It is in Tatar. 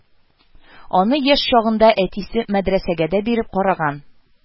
Аны яшь чагында әтисе мәдрәсәгә дә биреп караган